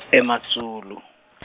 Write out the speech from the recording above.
eMatsulu .